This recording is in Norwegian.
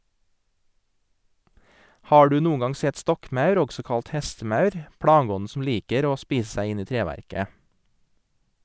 Har du noen gang sett stokkmaur , også kalt hestemaur, plageånden som liker å spise seg inn i treverket?